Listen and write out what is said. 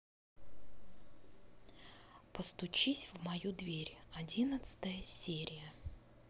постучись в мою дверь одиннадцатая серия